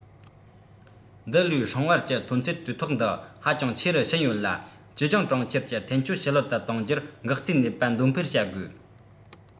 འདི ལོའི སྲིང བལ གྱི ཐོན ཚད དུས ཐོག འདི ཧ ཅང ཆེ རུ ཕྱིན ཡོད ལ ཅིའུ ཅང གྲོང ཁྱེར གྱི ཐན སྐྱོན ཞི ལྷོད དུ གཏོང རྒྱུར འགག རྩའི ནུས པ འདོན སྤེལ བྱ དགོས